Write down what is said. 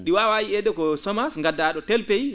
?i waawaa yiyeede ko semence ngaddaa?o tel pays